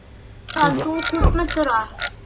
Бөтен тату күпме тора?